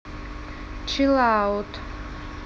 чилаут